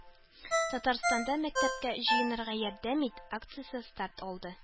Татарстанда “Мәктәпкә җыенырга ярдәм ит!” акциясе старт алды